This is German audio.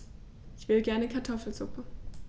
Ich will gerne Kartoffelsuppe.